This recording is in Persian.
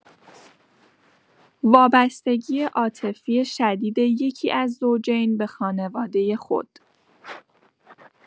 وابستگی عاطفی شدید یکی‌از زوجین به خانواده خود